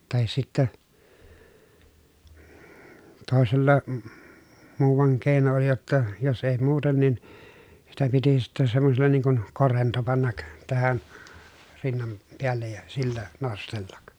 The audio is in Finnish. tai sitten toisella muuan keino oli jotta jos ei muuten niin sitä piti sitten semmoisella niin kuin korento panna tähän rinnan päälle ja sillä nostella